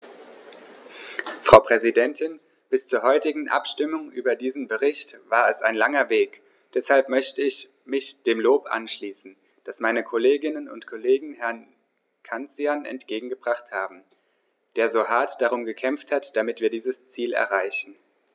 Frau Präsidentin, bis zur heutigen Abstimmung über diesen Bericht war es ein langer Weg, deshalb möchte ich mich dem Lob anschließen, das meine Kolleginnen und Kollegen Herrn Cancian entgegengebracht haben, der so hart darum gekämpft hat, damit wir dieses Ziel erreichen.